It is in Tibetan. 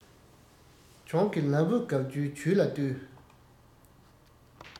གྱོང གི ལམ བུ དགག རྒྱུའི ཇུས ལ ལྟོས